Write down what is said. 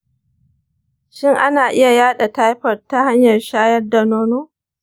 shin ana iya yaɗa taifoid ta hanyar shayar da nono?